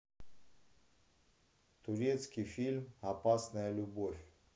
турецкий фильм опасная любовь